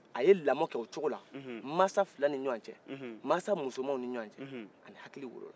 a ye lamɔ k'o cokola mansa fila ni ɲɔgɔn cɛ mansa musoman ni ɲɔgɔn cɛ ani hakili wolola